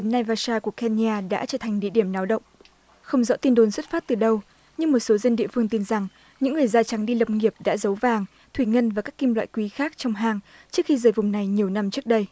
ngay và sa của ken ni a đã trở thành địa điểm náo động không rõ tin đồn xuất phát từ đâu nhưng một số dân địa phương tin rằng những người da trắng đi lập nghiệp đã giấu vàng thủy ngân và các kim loại quý khác trong hang trước khi rời vùng này nhiều năm trước đây